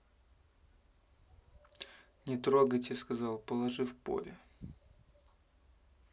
не трогайте сказал положи в поле